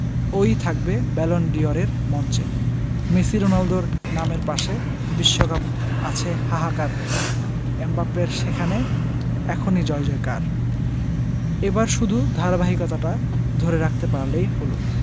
ও ই থাকবে Ballon d' অরের মঞ্চে মেসি রোনালদোর নামের পাশে বিশ্বকাপ আছে হাহাকার হয়ে এমবাপ্পের সেখানে এখনই জয়জয়কার এবার শুধু ধারাবাহিকতাটা ধরে রাখতে পারলেই হলো